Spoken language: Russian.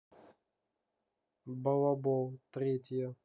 балабол третья